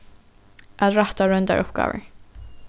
at rætta royndaruppgávur